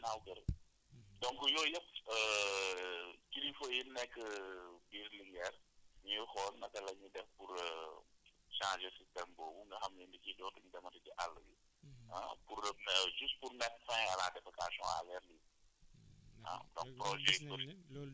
boo xam ne dañ ciy demee gànnaaw kër donc yooyu yëpp kilifa yi nekk biir Linguère ñuy xool naka la ñu def pour changer système boobu nga xam ne nit yi dootuñu demati ci àll bi ah pour ah juste pour mettre fin à la défocation à l' air libre ah donc